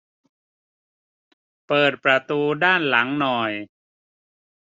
เปิดประตูด้านหลังหน่อย